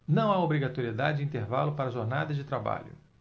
não há obrigatoriedade de intervalo para jornadas de trabalho